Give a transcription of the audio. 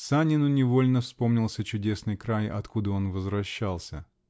Санину невольно вспомнился чудесный край, откуда он возвращался.